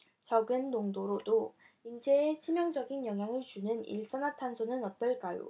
적은 농도로도 인체에 치명적인 영향을 주는 일산화탄소는 어떨까요